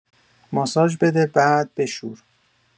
ماساژ بده بعد بشور